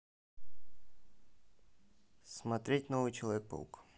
смотреть новый человек паук